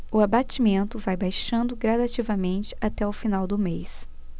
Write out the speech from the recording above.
o abatimento vai baixando gradativamente até o final do mês